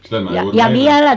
sitä minä juuri meinasin